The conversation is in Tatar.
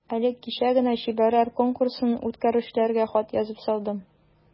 Әле кичә генә чибәрләр конкурсын үткәрүчеләргә хат язып салдым.